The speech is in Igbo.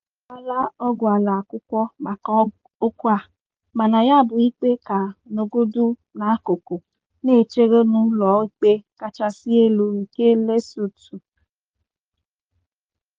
Ndị obodo agbaala ogwuala akwụkwọ maka okwu a, mana ya bu ikpe ka nọgodu n'akụkụ na-echere n'ụlọ Ikpe Kachasị Elu nke Lesotho.